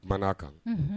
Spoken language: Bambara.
Man'a kan, unhun.